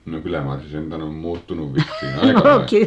no kyllä mar se sentään on muuttunut vissiin aika lailla